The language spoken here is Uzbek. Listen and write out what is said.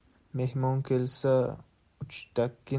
mehmon kelsa uchtakkina